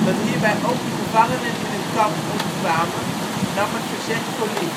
Dat hierbij ook de gevangenen in het kamp omkwamen, nam het verzet voor lief